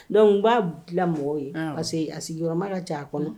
Donc n b'a bila mɔgɔw ye, awɔ, parce que a sigiyɔrɔma ka ca a kɔnɔ